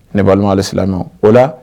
Ne balima silamɛ o la